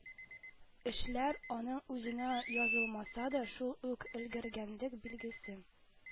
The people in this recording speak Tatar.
Эшләр, аның үзенә язылмаса да, шул ук өлгергәнлек билгесе